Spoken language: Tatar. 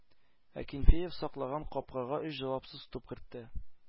Акинфеев саклаган капкага өч җавапсыз туп кертте.